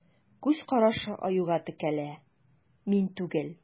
Күз карашы Аюга текәлә: мин түгел.